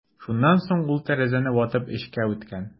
Шуннан соң ул тәрәзәне ватып эчкә үткән.